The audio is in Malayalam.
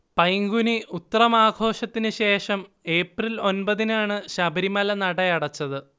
പൈങ്കുനി ഉത്രം ആഘോഷത്തിനുശേഷം ഏപ്രിൽ ഒൻപതിനാണ് ശബരിമല നടയടച്ചത്